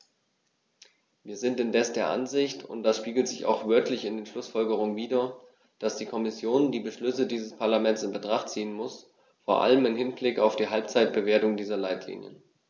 Wir sind indes der Ansicht und das spiegelt sich auch wörtlich in den Schlussfolgerungen wider, dass die Kommission die Beschlüsse dieses Parlaments in Betracht ziehen muss, vor allem im Hinblick auf die Halbzeitbewertung dieser Leitlinien.